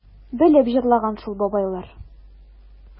Белеп җырлаган шул бабайлар...